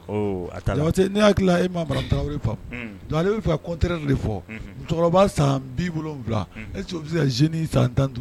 Oo a taala Jabate ne hakili la e ma madame Traore fŋ unn donc ale be fɛ ka contraire de fɔ unhun musɔkɔrɔba san 70 unhun est ce que o be se ka jeune san 15